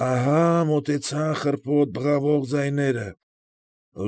Ահա մոտեցան խռպոտ բղավող ձայները։